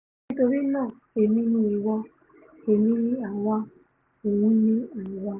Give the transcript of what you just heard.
Nítorí náà Èmi ni ìwọ, Èmi ni àwa, òhun ni àwa.